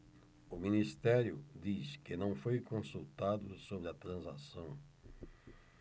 o ministério diz que não foi consultado sobre a transação